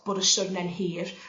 bod y siwrne'n hir